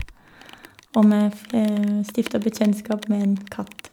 Og vi fi stifta bekjentskap med en katt.